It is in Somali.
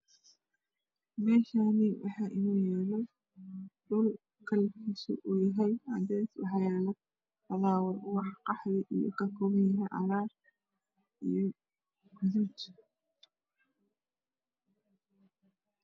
Meshan waa dhuul kalarkis oow yahay cdes waxa yalo falawar qahwi oow kakobanyahay io cgar io gadud